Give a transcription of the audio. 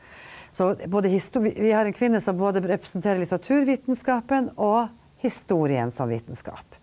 så både vi har en kvinne som både representerer litteraturvitenskapen og historien som vitenskap.